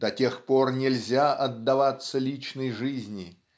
до тех пор нельзя отдаваться личной жизни